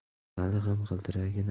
vali ham g'ildiragini